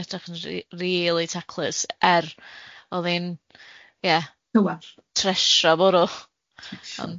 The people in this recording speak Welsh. edrach yn r- rili taclus, er o'dd i'n, ia... Tywall... tresho bwrw.